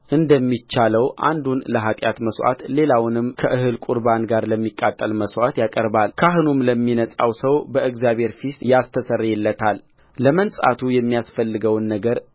እንደሚቻለው አንዱን ለኃጢአት መሥዋዕት ሌላውንም ከእህል ቍርባን ጋር ለሚቃጠል መሥዋዕት ያቀርባል ካህኑም ለሚነጻው ሰው በእግዚአብሔር ፊት ያስተሰርይለታልለመንጻቱ የሚያስፈልገውን ነገር